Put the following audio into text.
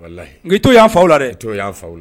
Walahi, nk'i t'o y'anw faw la dɛ, i t'o y'an faw la